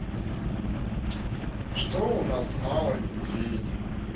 что у нас мало детей